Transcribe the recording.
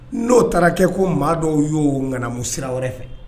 N'o taara kɛ ko maa dɔw y'o ŋanamu sira wɛrɛ fɛ